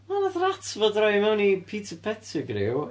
Na wnaeth rat fo droi fewn i Peter Pettigrew.